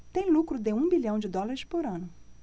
tem lucro de um bilhão de dólares por ano